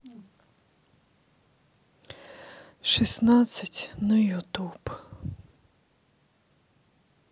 шестнадцать на ютуб